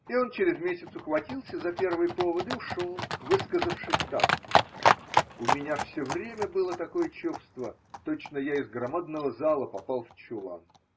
и он через месяц ухватился за первый повод и ушел, высказавшись так: – У меня все время было такое чувство, точно я из громадного зала попал в чулан.